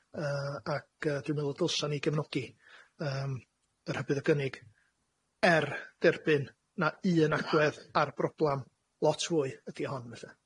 Yy ac yy dwi'n meddwl dylsan ni gefnogi yym y rhybudd o gynnig, er derbyn na un agwedd ar broblam lot fwy ydi hon felly.